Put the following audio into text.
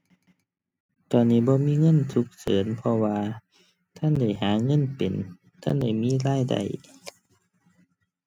ตอนนี้บ่มีเงินฉุกเฉิน เพราะว่าทันได้หาเงินเป็น ทันได้มีรายได้